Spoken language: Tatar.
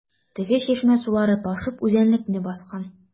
Теге чишмә сулары ташып үзәнлекне баскан.